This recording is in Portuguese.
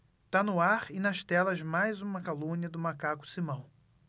tá no ar e nas telas mais uma calúnia do macaco simão